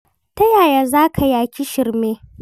Ta yaya za ka yaƙi shirme?